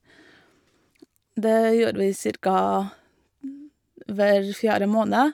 Det gjør vi cirka hver fjerde måned.